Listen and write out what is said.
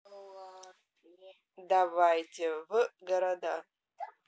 давайте в города